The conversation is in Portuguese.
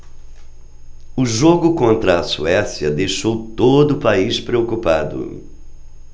o jogo contra a suécia deixou todo o país preocupado